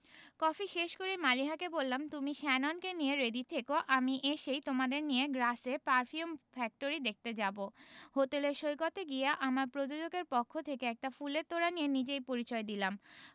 coffee শেষ করেই মালিহাকে বললাম তুমি শ্যাননকে নিয়ে রেডি থেকো আমি এসেই তোমাদের নিয়ে গ্রাসে পারফিউম ফ্যাক্টরি দেখতে যাবো হোটেলের সৈকতে গিয়ে আমার প্রযোজকের পক্ষ থেকে একটি ফুলের তোড়া দিয়ে নিজেই পরিচয় দিলাম